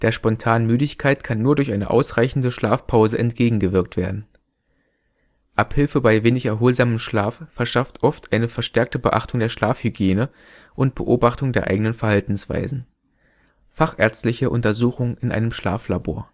spontanen Müdigkeit kann nur durch eine ausreichende (Schlaf -) Pause entgegengewirkt werden. Abhilfe bei wenig erholsamem Schlaf verschafft oft eine verstärkte Beachtung der Schlafhygiene und Beobachtung der eigenen Verhaltensweisen. Fachärztliche Untersuchung in einem Schlaflabor